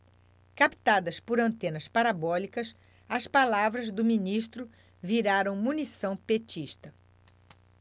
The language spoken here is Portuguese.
captadas por antenas parabólicas as palavras do ministro viraram munição petista